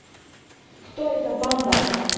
кто эта банда